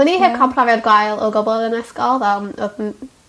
O'n i heb ca'l profiad gwael o gwbwl yn ysgol fel m- odd m-